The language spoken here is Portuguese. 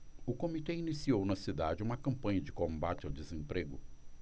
o comitê iniciou na cidade uma campanha de combate ao desemprego